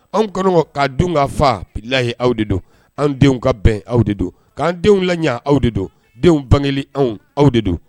Anw kɔni ko k'a dun ka fa, billahi aw de don, an denw ka bɛn aw de don, k'an denw laɲa aw de don ,denw bangeli anw aw de don!